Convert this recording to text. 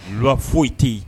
Loi foyi te yen